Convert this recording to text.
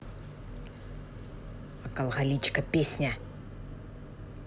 алкоголичка песня